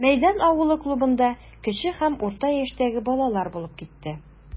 Мәйдан авылы клубында кече һәм урта яшьтәге балалар булып китте.